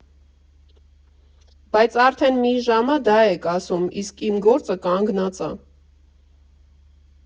Բայց արդեն մի ժամ ա դա եք ասում, իսկ իմ գործը կանգնած ա՜…